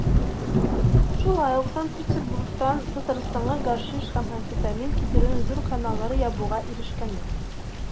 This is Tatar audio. Шулай ук Санкт-Петербургтан Татарстанга гашиш һәм амфетамин китерүнең зур каналын ябуга ирешкәннәр.